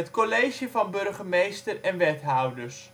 college van burgemeester en Wethouders